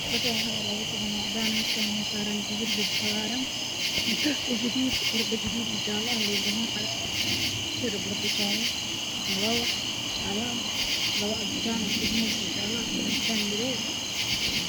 Meeshaan waxaa yaalo miis ay saaranyihiin cuno fara badan sida malaay kalluun iyo cunooyin kale